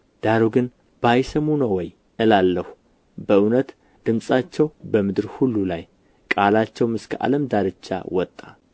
ዳሩ ግን ባይሰሙ ነው ወይ እላለሁ በእውነት ድምፃቸው በምድር ሁሉ ላይ ቃላቸውም እስከ ዓለም ዳርቻ ወጣ